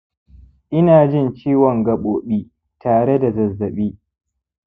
ina jin ciwon gabobi tare da zazzaɓi